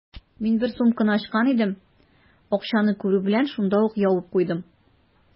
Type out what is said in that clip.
Мин бер сумканы ачкан идем, акчаны күрү белән, шунда ук ябып куйдым.